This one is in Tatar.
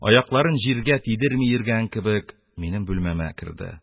Аякларын җиргә тидерми йөргән кебек, минем бүлмәмә керде.